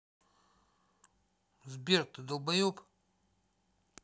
сбер долбоеб